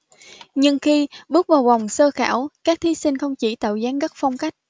nhưng khi bước vào vòng sơ khảo các thí sinh không chỉ tạo dáng rất phong cách